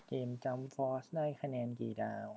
เกมจั๊มฟอสได้คะแนนกี่ดาว